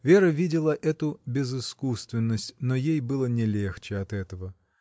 Вера видела эту безыскусственность, но ей было не легче от этого.